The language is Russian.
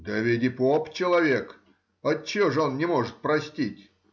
— Да ведь и поп человек: отчего же он не может простить?